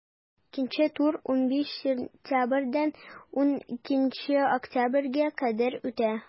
Икенче тур 15 сентябрьдән 12 октябрьгә кадәр үтә.